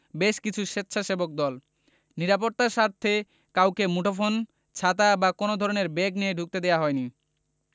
বেশ কিছু স্বেচ্ছাসেবক দল নিরাপত্তার স্বার্থে কাউকে মুঠোফোন ছাতা বা কোনো ধরনের ব্যাগ নিয়ে ঢুকতে দেওয়া হয়নি